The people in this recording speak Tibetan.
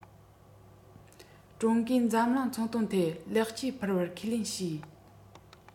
ཀྲུང གོས འཛམ གླིང ཚོང དོན ཐད ལེགས སྐྱེས ཕུལ བར ཁས ལེན བྱོས